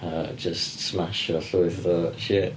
A jyst smasio llwyth o shit.